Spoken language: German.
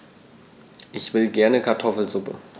Ich will gerne Kartoffelsuppe.